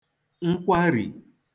nkwari